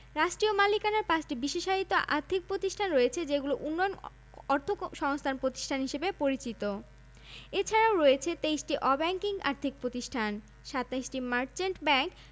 রাষ্ট্রীয় মালিকানার ৫টি বিশেষায়িত আর্থিক প্রতিষ্ঠান রয়েছে যেগুলো উন্নয়ন অর্থসংস্থান প্রতিষ্ঠান হিসেবে পরিচিত এছাড়াও রয়েছে ২৩টি অব্যাংকিং আর্থিক প্রতিষ্ঠান ২৭টি মার্চেন্ট ব্যাংক